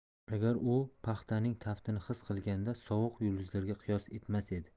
agar u paxtaning taftini his qilganda sovuq yulduzlarga qiyos etmas edi